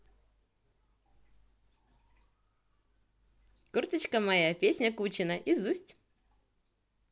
курточка моя песня кучина изусть